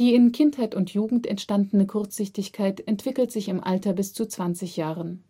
in Kindheit und Jugend entstandene Kurzsichtigkeit entwickelt sich im Alter bis zu 20 Jahren